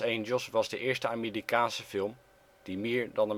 1932). Hell 's Angels was de eerste Amerikaanse film die meer dan